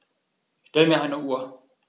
Stell mir eine Uhr.